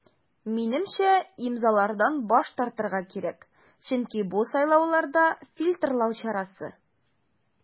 Минемчә, имзалардан баш тартырга кирәк, чөнки бу сайлауларда фильтрлау чарасы.